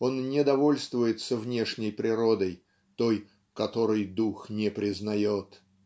он не довольствуется внешней природой, той, "которой дух не признает"